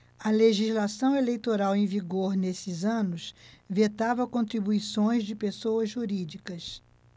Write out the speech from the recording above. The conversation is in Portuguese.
a legislação eleitoral em vigor nesses anos vetava contribuições de pessoas jurídicas